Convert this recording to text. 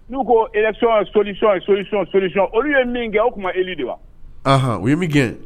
N'u ko zcɔnye sɔlisiye sɔlicɔn sɔlicɔn olu ye min kɛ o kuma e de wa u ye mi gɛn